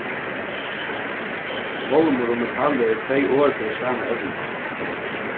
málmur og metal eru tvey orð fyri sama evni